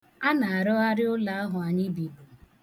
A na-arụgharị ụlọ ahụ anyị bibu.